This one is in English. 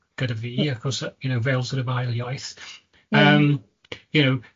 gyda fi achos y-, you know, fel sor' of ail iaith, yym, you know